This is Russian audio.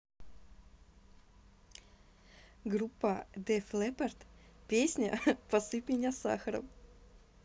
группа def leppard песня посыпь меня сахаром